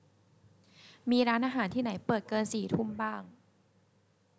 มีร้านอาหารที่ไหนเปิดเกินสี่ทุ่มบ้าง